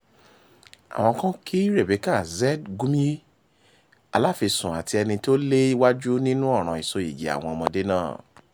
Àwọn kan kí Rebeca Z. Gyumi, aláfisùn àti ẹni tí ó lé wájú nínú ọ̀ràn ìsoyìgì àwọn ọmọdé náà.